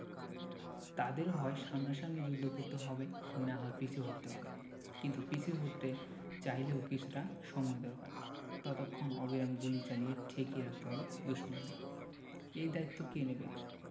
তাঁদের হয় সামনাসামনি যুদ্ধ করতে হবে না হয় পিছু হটতে হবে কিন্তু পিছু হটতে চাইলেও কিছুটা সময় দরকার ততক্ষণ অবিরাম গুলি চালিয়ে ঠেকিয়ে রাখতে হবে দুশমনদের এ দায়িত্ব কে নেবে